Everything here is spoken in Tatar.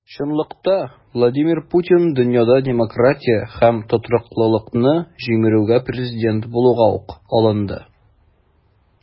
Чынлыкта Владимир Путин дөньяда демократия һәм тотрыклылыкны җимерүгә президент булуга ук алынды.